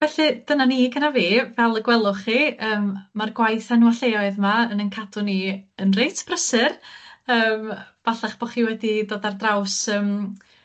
Felly dyna ni gynna fi, fel y gwelwch chi yym ma'r gwaith enwa' lleoedd 'ma yn ein cadw ni yn reit brysur yym falla'ch bo' chi wedi dod ar draws yym